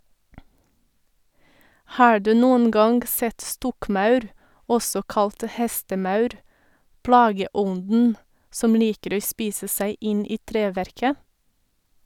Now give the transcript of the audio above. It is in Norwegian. Har du noen gang sett stokkmaur, også kalt hestemaur, plageånden som liker å spise seg inn i treverket?